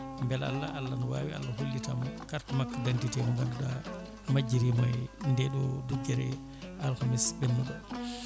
beela Allah Allah ne wawi Allha hollitamo carte makko d' identité o mo ganduɗa majjirimo e nde ɗo dugguere alakamisa ɓennuɗo o